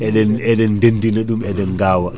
eɗen eɗen ndendina ɗum eɗen gawa